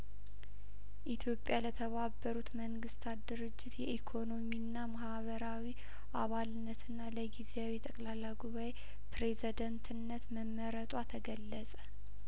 ኢትዮጵያ ለተባበሩት መንግስታት ድርጅት የኢኮኖሚና ማህበራዊ አባልነትና ለጊዜያዊ ጠቅላላው ጉባኤ ፕሬዘደንትነት መመረጧ ተገለጸ